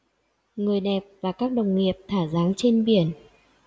người đẹp và các đồng nghiệp thả dáng trên biển